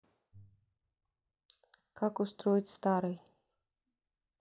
как устроить старый